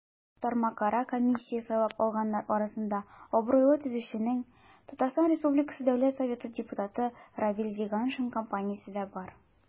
Тармакара комиссия сайлап алганнар арасында абруйлы төзүченең, ТР Дәүләт Советы депутаты Равил Зиганшин компаниясе дә бар.